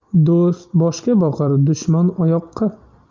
do'st boshga boqar dushman oyoqqa